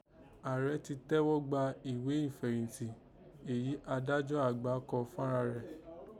Ààrẹ tí tẹ́ghọ́ gbà ìghé ìfẹ̀yìntì èyí yìí adájọ́ àgbà kò fànrarẹ̀